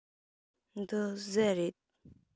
འདི ཟྭ རེད